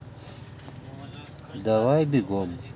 давай бегом